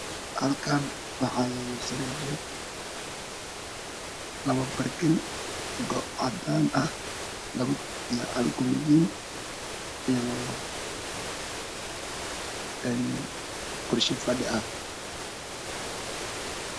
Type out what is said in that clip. Halkaan waxaa yaalo sariir jiif ah labo barkin, go cadaan ah iyo labo koobadiin iyo kursi fadhi ah.